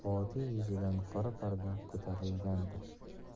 qora parda ko'tarilgandi